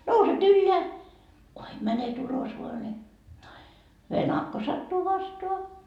nouset ylös kuinka menet ulos vain niin venakko sattuu vastaan